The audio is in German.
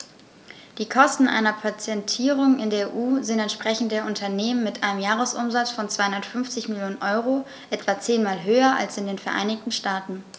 Die Kosten einer Patentierung in der EU sind, entsprechend der Unternehmen mit einem Jahresumsatz von 250 Mio. EUR, etwa zehnmal höher als in den Vereinigten Staaten.